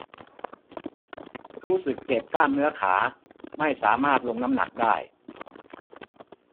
รู้สึกเจ็บกล้ามเนื้อขาไม่สามารถลงน้ำหนักได้